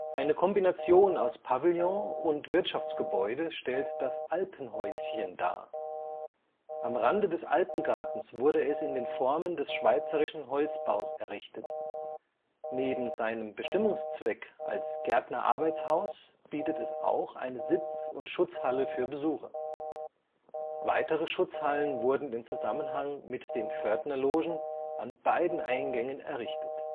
Eine Kombination aus Pavillon und Wirtschaftsgebäude stellt das „ Alpenhäuschen “dar. Am Rande des Alpengartens wurde es in den Formen des schweizerischen Holzbaus errichtet. Neben seinem Bestimmungszweck als Gärtnerarbeitshaus bietet es auch eine Sitz - und Schutzhalle für Besucher. Weitere Schutzhallen wurden in Zusammenhang mit den Pförtnerlogen an beiden Eingängen errichtet